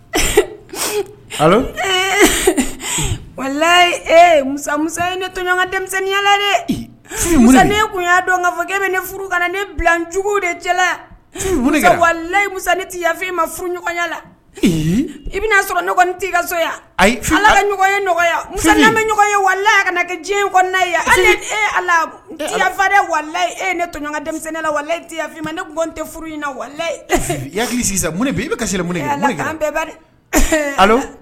Mu neyala mu dɔn ka fɔ ne ne bilacogo de cɛlalayi mu tɛ ya ma furu ɲɔgɔnyala i bɛna sɔrɔ ne tɛ i ka so yan ayila ka ɲɔgɔn ye nɔgɔya ɲɔgɔn ye walilaya kana kɛ diɲɛ in kɔnna e alafa ne wali e neɲɔgɔn denmisɛnnin ne la wa tɛfin ne g tɛ furu in waliyi e yaki sisan mun i bɛɛ